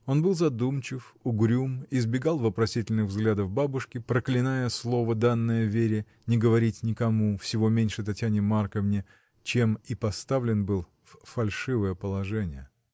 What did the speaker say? Он был задумчив, угрюм, избегал вопросительных взглядов бабушки, проклиная слово, данное Вере, не говорить никому, всего меньше Татьяне Марковне, чем и поставлен был в фальшивое положение.